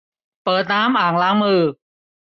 เปิดน้ำอ่างล้างมือ